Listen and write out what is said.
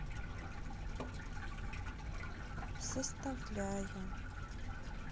составляю